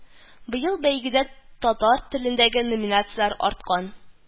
Быел бәйгедә татар телендәге номинациялр арткан